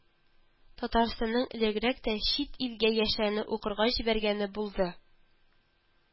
Татарстаның элегрәк тә чит илгә яшьләрне укырга җибәргәне булды